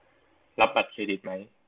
รับบัตรเครดิตไหม